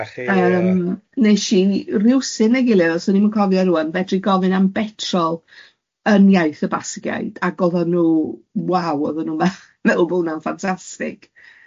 Nachi ie. Yym wnes i rywsyn ei gilydd os o'n i'm yn cofio rŵan fedru gofyn am betrol yn iaith y Basigiaid, ac oedden nhw waw oedden nhw'n fel meddwl bod hwnna'n fantastic.